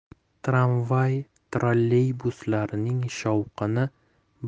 tramvay trolleybuslarning shovqini